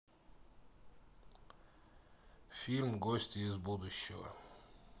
фильм гостья из будущего